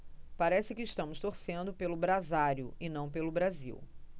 parece que estamos torcendo pelo brasário e não pelo brasil